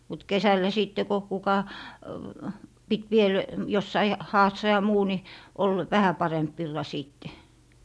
mutta kesällä sitten kun kuka piti vielä jossakin haassa ja muu niin oli vähän parempi villa sitten